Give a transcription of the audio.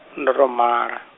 ndo to mala.